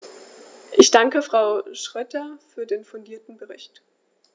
Ich danke Frau Schroedter für den fundierten Bericht.